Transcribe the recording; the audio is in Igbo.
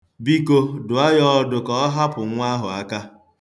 Biko, dụọ ya ọdụ ka ọ hapụ nwa ahụ aka.